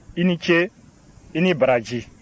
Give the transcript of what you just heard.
i ni ce i ni baraji